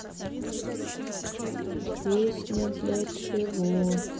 песня для чего